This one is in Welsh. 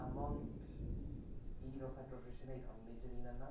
A mond un o'r pedwar dwi isie gwneud, ond nid yr un yna.